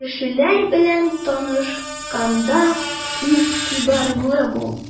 Кешеләр белән танышканда игътибарлы бул.